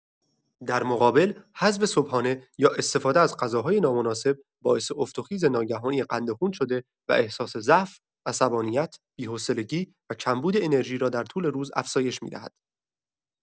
در مقابل، حذف صبحانه یا استفاده از غذاهای نامناسب باعث افت وخیز ناگهانی قند خون شده و احساس ضعف، عصبانیت، بی‌حوصلگی و کمبود انرژی را در طول روز افزایش می‌دهد.